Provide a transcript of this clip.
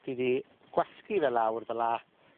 Dwi 'di gwasgu fe lawr fela,